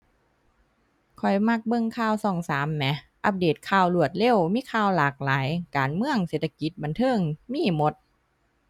ข้อยมักเบิ่งข่าวช่องสามแหม อัปเดตข่าวรวดเร็ว มีข่าวหลากหลาย การเมือง เศรษฐกิจ บันเทิง มีหมด